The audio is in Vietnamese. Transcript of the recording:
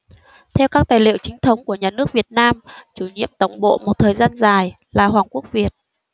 theo các tài liệu chính thống của nhà nước việt nam chủ nhiệm tổng bộ một thời gian dài là hoàng quốc việt